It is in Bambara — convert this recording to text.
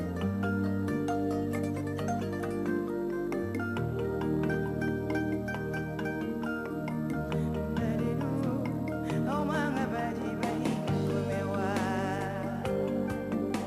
San yo mɛ se bɛ kun bɛ wa